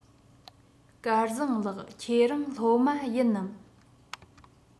སྐལ བཟང ལགས ཁྱེད རང སློབ མ ཡིན ནམ